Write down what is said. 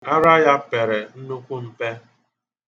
Ara ya pere nnukwu mpe.